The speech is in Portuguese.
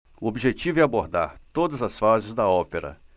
o objetivo é abordar todas as fases da ópera